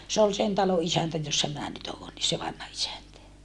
se oli sen talon isäntä jossa minä nyt olen niin se vanha isäntä